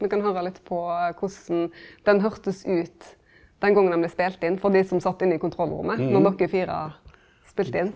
me kan høyra litt på korleis den høyrdest ut den gongen den blei spelt inn, for dei som satt inni kontrollrommet når dokker fire spelte inn.